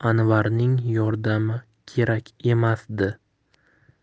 anvarning yordami kerak emasdi